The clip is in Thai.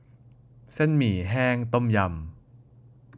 เส้นหมี่แห้งต้มยำ